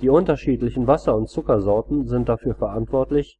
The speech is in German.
Die unterschiedlichen Wasser - und Zuckersorten sind dafür verantwortlich,